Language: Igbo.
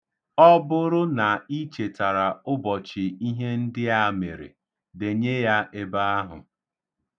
Ọ bụrụ na I chetara ụbọchi ihe ndi a mere, denye ya ebe ahụ